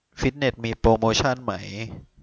ฟิตเนสมีโปรโมชั่นไหม